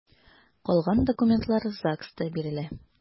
Калган документлар ЗАГСта бирелә.